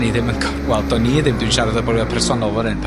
ni ddim wel do ni ddim dw i'n siarad o brofiad personol fan hyn pan